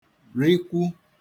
rikwu